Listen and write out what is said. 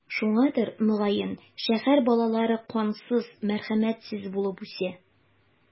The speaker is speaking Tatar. Шуңадыр, мөгаен, шәһәр балалары кансыз, мәрхәмәтсез булып үсә.